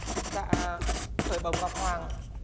dạ khởi bẩm ngọc hoàng